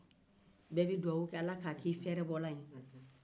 bɛɛ bɛ dugawu ke ala k'a k'i fɛɛbɔlan ye